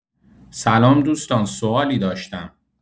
سلام دوستان، سوالی داشتم.